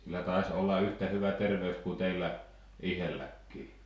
sillä taisi olla yhtä hyvä terveys kuin teillä itselläkin